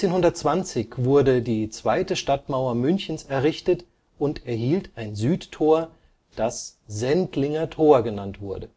1320 wurde die zweite Stadtmauer Münchens errichtet und erhielt ein Südtor, das Sendlinger Tor genannt wurde